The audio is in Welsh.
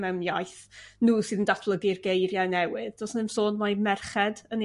mewn iaith n'w sydd yn datblygu'r geiriau newydd does 'na ddim sôn mai merched yn ei